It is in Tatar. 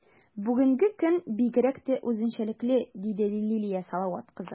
Бүгенге көн бигрәк тә үзенчәлекле, - диде Лилия Салават кызы.